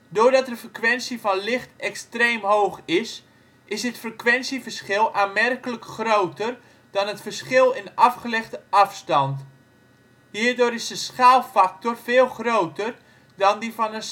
Doordat de de frequentie van licht extreem hoog is, is dit frequentieverschil aanmerkelijk groter dan het verschil in afgelegde afstand. Hierdoor is de schaalfactor veel groter dan die van een